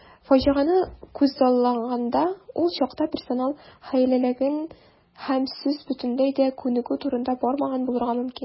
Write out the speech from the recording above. Фаҗигане күзаллаганда, ул чакта персонал хәйләләгән һәм сүз бөтенләй дә күнегү турында бармаган булырга мөмкин.